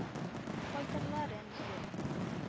– кайтырлар, әнисе